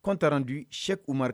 Compte rendu Cheuck Oumar